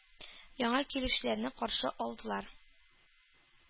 Яңа килүчеләрне каршы алдылар.